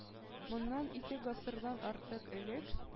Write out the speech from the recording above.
Моннан ике гасырдан артык элек,